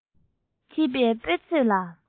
འཁྱིལ པའི དཔེ མཛོད ལ